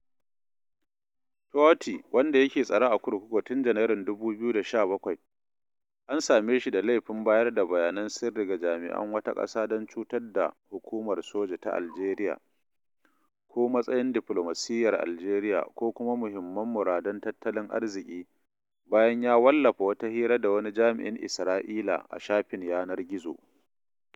Touati, wanda yake tsare a kurkuku tun Janairun 2017, an same shi da laifin bayar da “bayanan sirri ga jami’an wata ƙasa don cutar da hukumar soja ta Aljeriya ko matsayin diflomasiyyar Aljeriya ko kuma mahimman muradun tattalin arziƙi” bayan ya wallafa wata hira da wani jami’in Isra’ila a shafin yanar gizo.